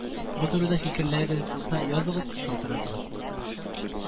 Бу турыда фикерләрегез булса, языгыз, шалтыратыгыз